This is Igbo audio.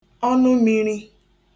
ọnụ miri